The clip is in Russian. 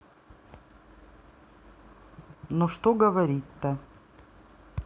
ну что говорить то